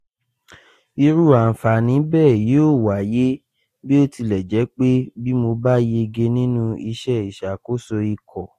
Irú àǹfààní bẹ́ẹ̀ yóò wáyé, bí ó tilẹ̀ jẹ́ pé, bí mo bá yegé nínú iṣẹ́ ìṣàkóso ikọ̀ ’’